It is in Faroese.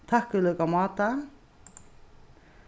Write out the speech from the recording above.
takk í líka máta